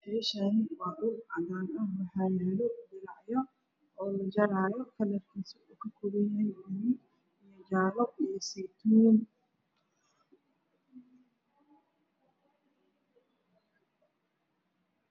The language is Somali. Meshani waa dhul cadan ah dilacyo lajarayo kalarkis oow kakobanyahy gaduud io jale io seytuun